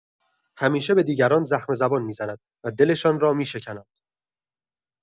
همیشه به دیگران زخم‌زبان می‌زند و دلشان را می‌شکند.